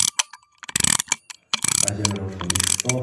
Jeg kjeme da fra Lista.